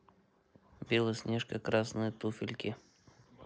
белоснежка красные туфельки